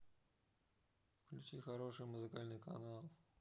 включи хороший музыкальный канал